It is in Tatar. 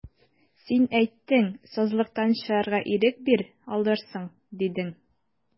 Син әйттең, сазлыктан чыгарга ирек бир, алырсың, дидең.